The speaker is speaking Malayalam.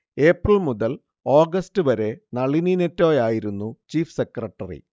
ഏപ്രിൽ മുതൽ ഓഗസ്റ്റ് വരെ നളിനി നെറ്റോയായിരുന്നു ചീഫ് സെക്രട്ടറി